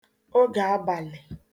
ogè abàlị̀